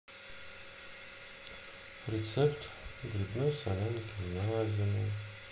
рецепт грибной солянки на зиму